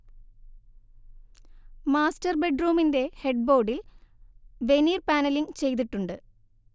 master ബെഡ്റൂമിന്റെ head ബോർഡിൽ veneer panelling ചെയ്തിട്ടുണ്ട്